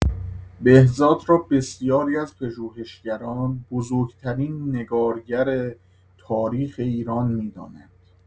بهزاد را بسیاری از پژوهشگران بزرگ‌ترین نگارگر تاریخ ایران می‌دانند.